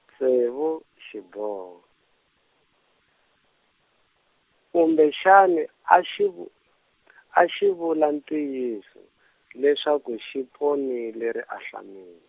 tsevu xiboho, kumbexani axi vu-, axi vula ntiyiso, leswaku xi ponile ri a hlamil-.